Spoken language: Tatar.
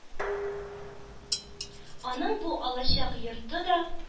Аның бу алачык-йорты да